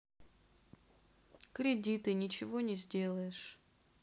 кредиты ничего сделаешь